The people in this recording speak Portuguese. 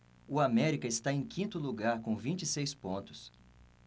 o américa está em quinto lugar com vinte e seis pontos